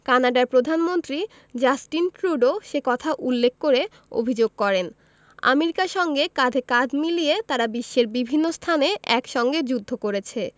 কানাডার প্রধানমন্ত্রী Justin Trudeau সে কথা উল্লেখ করে অভিযোগ করেন আমেরিকার সঙ্গে কাঁধে কাঁধ মিলিয়ে তারা বিশ্বের বিভিন্ন স্থানে একসঙ্গে যুদ্ধ করেছে